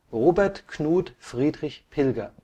Robert Knud Friedrich Pilger